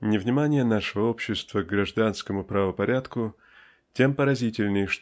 Невнимание нашего общества к гражданскому правопорядку тем поразительнее